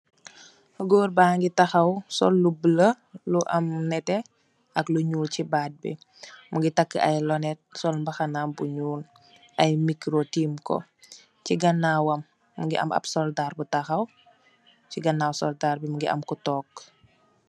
gorr ba ngi tahaw sol lu bolo lu am nette ak lu nul si bat bi mu ngi taki ai lunet sol mbananam bu nglu ai miro teem ko si ganow mugi am soldarr bu tahaw si ganow soldarr bi mu ngi am kufa tuk.